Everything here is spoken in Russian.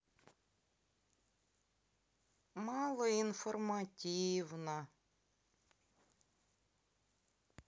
мало информативно